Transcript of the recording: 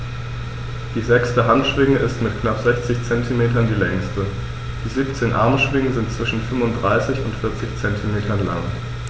Die sechste Handschwinge ist mit knapp 60 cm die längste. Die 17 Armschwingen sind zwischen 35 und 40 cm lang.